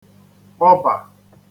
kpọbà